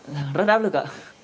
rất áp lực ạ